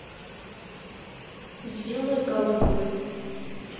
сделай голубой